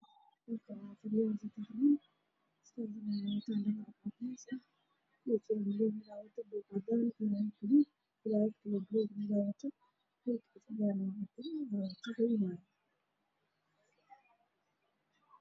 Waa niman dhar cadaan wato